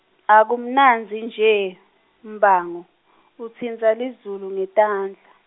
akumnandzi nje, Mbango , utsintsa lizulu ngetandla.